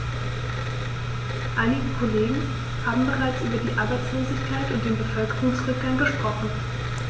Einige Kollegen haben bereits über die Arbeitslosigkeit und den Bevölkerungsrückgang gesprochen.